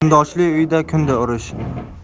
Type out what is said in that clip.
kundoshli uyda kunda urush